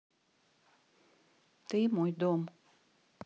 ты мой дом